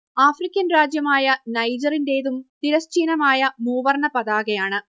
African രാജ്യമായ നൈജറിന്റേതും തിരശ്ചീനമായ മൂവർണ്ണ പതാകയാണ്